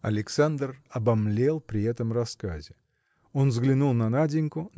Александр обомлел при этом рассказе. Он взглянул на Наденьку